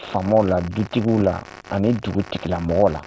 Faamaw la, dutigiw la ani dugutigila mɔgɔw la.